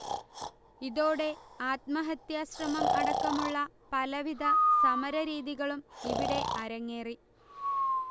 ഇതോടെ ആത്മഹത്യ ശ്രമം അടക്കമുള്ള പലവിധ സമര രീതികളും ഇവിടെ അരങ്ങേറി